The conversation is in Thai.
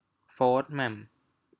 โฟธแหม่ม